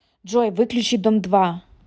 джой выключи дом два